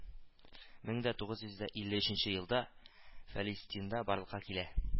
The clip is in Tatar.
Мең дә тугыз йөз дә илле өченче елда фәлистиндә барлыкка килә